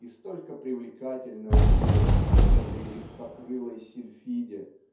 И столько привлекательного теперь в этой легкокрылой сильфиде